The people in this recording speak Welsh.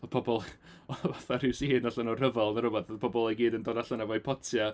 Oedd pobl oedd o fatha rhyw scene allan o'r rhyfel neu rywbeth, oedd pobl i gyd yn dod allan efo'u potiau.